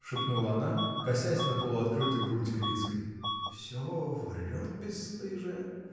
— шепнула она, косясь на полуоткрытую грудь Крицкой, — всё врет, бесстыжая!